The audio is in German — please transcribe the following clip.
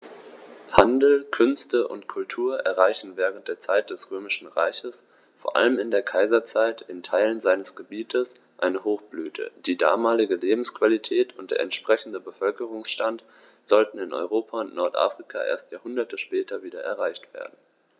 Handel, Künste und Kultur erreichten während der Zeit des Römischen Reiches, vor allem in der Kaiserzeit, in Teilen seines Gebietes eine Hochblüte, die damalige Lebensqualität und der entsprechende Bevölkerungsstand sollten in Europa und Nordafrika erst Jahrhunderte später wieder erreicht werden.